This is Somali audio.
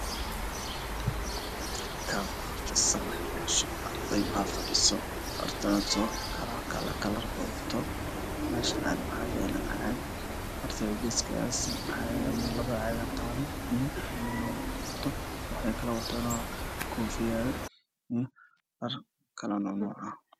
Waa gaas waxaa fadhiya niman waaweyn waana iskuul waxa ay ku fadhiyeen kuraas jaalle ah